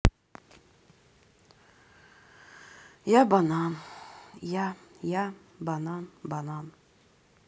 я банан я я банан банан